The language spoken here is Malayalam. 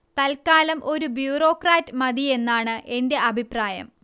തല്ക്കാലം ഒരു ബ്യൂറോക്രാറ്റ് മതി എന്നാണ് എന്റെ അഭിപ്രായം